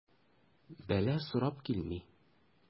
Бәла сорап килми.